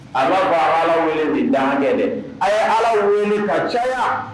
Ala fɔ ala wele ni dankɛ dɛ a ye ala wele ka caya